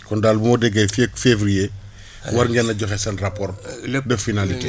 kon daal bu ma déggee fii ak fevrier war ngeen a joxe seen rapport lépp def finalité